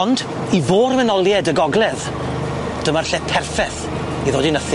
Ond, i Fôrwenolied y gogledd, dyma'r lle perffeth i ddod i nythu.